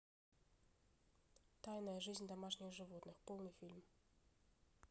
тайная жизнь домашних животных полный фильм